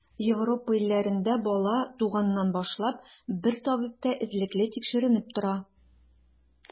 Европа илләрендә бала, туганнан башлап, бер табибта эзлекле тикшеренеп тора.